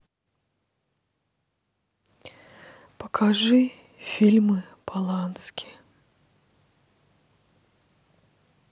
покажи фильмы полански